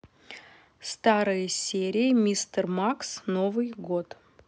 старые серии мистер макс новый год